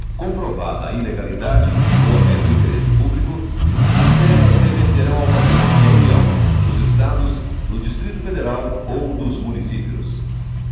comprovada a ilegalidade ou havendo interesse público as terras reverterão ao patrimônio da união dos estados do distrito federal ou dos municípios